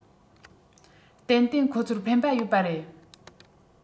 ཏན ཏན ཁོང ཚོར ཕན པ ཡོད པ རེད